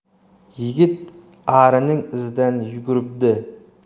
yigit arining izidan yuguribdi